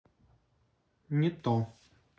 не то